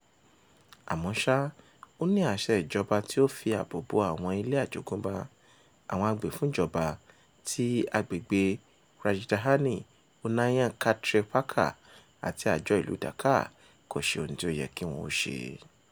Àmọ́ ṣá, ó ní àṣẹ ìjọba tí ó fi ààbò bo àwọn ilé àjogúnbá, àwọn agbèfúnjọba ti agbègbèe Rajdhani Unnayan Kartripakkha àti Àjọ Ìlúu Dhaka kò ṣe ohun tí ó yẹ kí wọn ó ṣe.